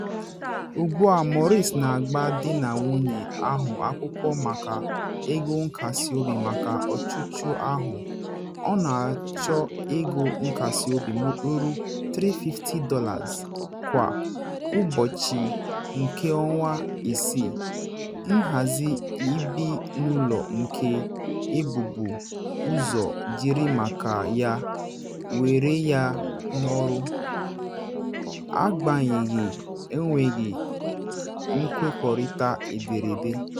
Ugbu a, Maurice na agba di na nwunye ahụ akwụkwọ maka ego nkasi obi maka ọchụchụ ahụ, ọ na achọ ego nkasị obi ruru $350 kwa ụbọchị nke ọnwa-isii, nhazi ibi n’ụlọ nke ebubu ụzọ jiri maka ya were ya n’ọrụ, agbanyeghị enweghị nkwekọrịta edere ede.